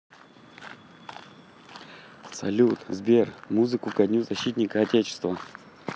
салют сбер музыку ко дню защитника отечества